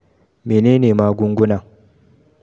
“Menene magungunan?